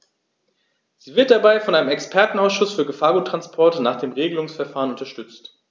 Sie wird dabei von einem Expertenausschuß für Gefahrguttransporte nach dem Regelungsverfahren unterstützt.